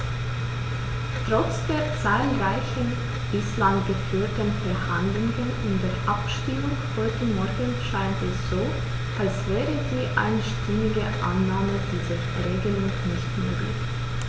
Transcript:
Trotz der zahlreichen bislang geführten Verhandlungen und der Abstimmung heute Morgen scheint es so, als wäre die einstimmige Annahme dieser Regelung nicht möglich.